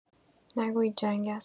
نگویید جنگ است!